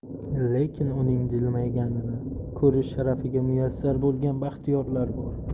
lekin uning jilmayganini ko'rish sharafiga muyassar bo'lgan baxtiyorlar bor